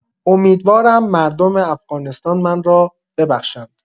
امیدوارم مردم افغانستان من را ببخشند.